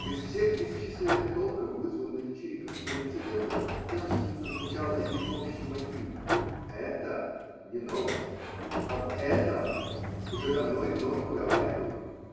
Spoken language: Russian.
Из всех бесчисленных толков, вызванных чириковским инцидентом, явственно звучал один общий мотив: это не новость, об этом уже давно и много поговаривают.